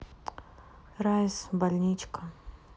rise больничка